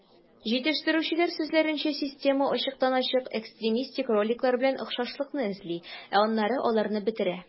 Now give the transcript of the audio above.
Җитештерүчеләр сүзләренчә, система ачыктан-ачык экстремистик роликлар белән охшашлыкны эзли, ә аннары аларны бетерә.